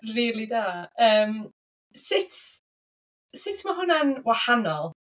Rili da. Yym sut, sut mae hwnna'n wahanol?